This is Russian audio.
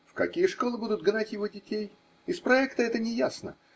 В какие школы будут гнать его детей? Из проекта это неясно.